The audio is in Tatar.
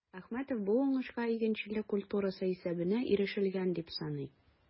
Әхмәтов бу уңышка игенчелек культурасы исәбенә ирешелгән дип саный.